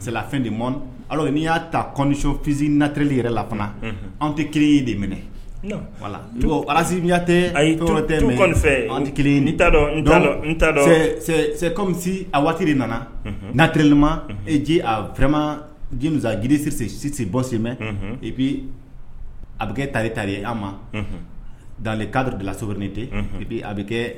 yelafɛn de mɔn ala n'i y'a ta comiso fisi natreli yɛrɛ lafana an tɛ kelen ye de minɛ fa la tu arazyatɛ atɛ an kelen dɔn dɔndɔ comi a waati nana natrelima ji ama ji musa gsisi bɔsimɛ e bɛ a bɛ kɛ tari ta ye an ma da kadidalasornen tɛ a bɛ kɛ